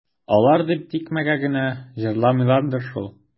Алай дип тикмәгә генә җырламыйлардыр шул.